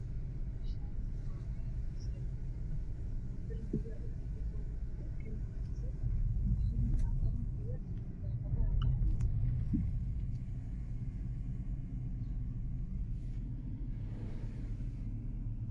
Meshani waa meel masajid ah darbiga waxoow ka koban yahay kalarkisa waa dahabi cadaan daqadaha oo qalin ah